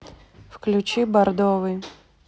включи бордовый